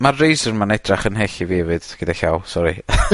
Ma'r Razor ma'n edrach yn hyll i fi efyd gyda llaw, sori.